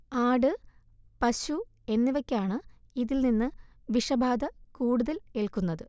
ആട്, പശു എന്നിവയ്ക്കാണ് ഇതിൽ നിന്ന് വിഷബാധ കൂടുതൽ ഏൽക്കുന്നത്